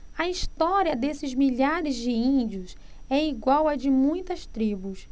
a história desses milhares de índios é igual à de muitas tribos